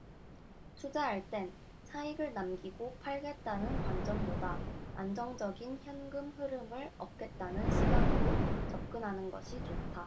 투자할 땐 차익을 남기고 팔겠다는 관점보다 안정적인 현금흐름을 얻겠다는 시각으로 접근하는 것이 좋다